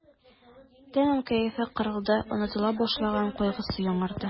Тәмам кәефе кырылды, онытыла башлаган кайгысы яңарды.